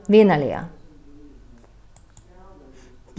vinarliga